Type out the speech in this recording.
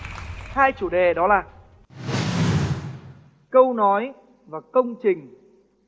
hai chủ đề đó là câu nói và công trình